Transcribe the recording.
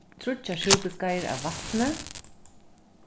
tríggjar súpiskeiðir av vatni